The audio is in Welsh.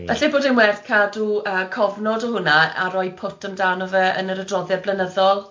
Falle bod e'n werth cadw yy cofnod o hwnna a rhoi pwt amdano fe yn yr adroddiad blynyddol.